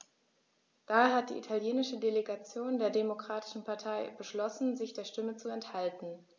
Daher hat die italienische Delegation der Demokratischen Partei beschlossen, sich der Stimme zu enthalten.